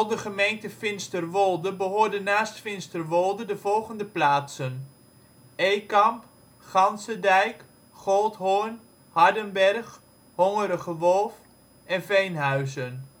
de gemeente Finsterwolde behoorden naast Finsterwolde de volgende plaatsen: Ekamp, Ganzedijk, Goldhoorn, Hardenberg, Hongerige Wolf, Veenhuizen